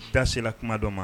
Da sela kuma dɔ ma